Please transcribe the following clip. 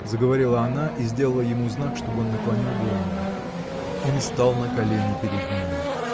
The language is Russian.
— заговорила она и сделала ему знак, чтоб он наклонил голову. Он стал на колени перед ней.